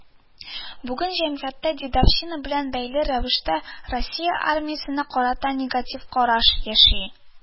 Бүген җәмгыятьтә «дедовщина» белән бәйле рәвештә Россия армиясенә карата негатив караш яши